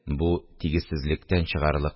Бу тигезсезлектән чыгарлык